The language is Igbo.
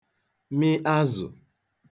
mị azụ̀